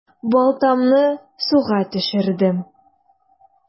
Балтамны суга төшердем.